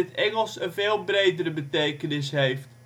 Engels een veel bredere betekenis heeft